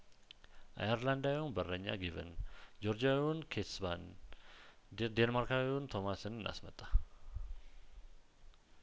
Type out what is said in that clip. አይርላንዳዊውን በረኛ ጊቭን ጆርጂያዊውን ኬትስ ባያንዴ ዴንማርካዊውን ቶማስን አስመጣ